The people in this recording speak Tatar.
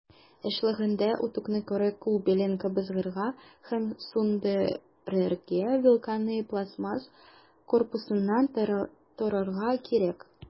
Эшләгәндә, үтүкне коры кул белән кабызырга һәм сүндерергә, вилканы пластмасс корпусыннан тотарга кирәк.